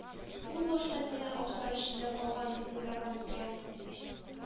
Ул башта мине абзар эчендә калган дип уйлаган икән.